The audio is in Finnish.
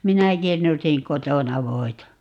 minä kirnusin kotona voita